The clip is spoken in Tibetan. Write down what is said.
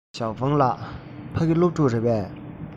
ཞའོ ཧྥུང ལགས ཕ གི སློབ ཕྲུག རེད པས